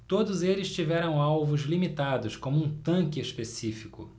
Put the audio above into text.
todos eles tiveram alvos limitados como um tanque específico